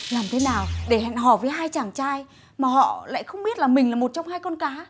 làm thế nào để hẹn hò với hai chàng trai mà họ lại không biết là mình là một trong hai con cá